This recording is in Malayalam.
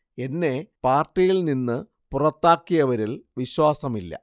എന്നെ പാർട്ടിയിൽ നിന്ന് പുറത്താക്കിയവരിൽ വിശ്വാസമില്ല